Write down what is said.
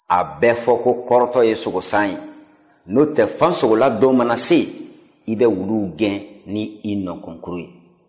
a bɛ fɔ ko kɔrɔtɔ ye sogosan ye n'o tɛ fasogola don mana se i bɛ wuluw gɛn n'i nɔnkɔn ye